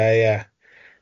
Ie, ie.